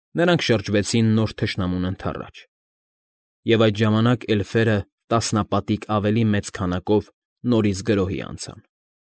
Նրանք շրջվեցին նոր թշնամուն ընդառաջ, և այդ ժամանակ էլֆերը տասնապատիկ ավելի մեծ քանակով նորից գրոհի անցան։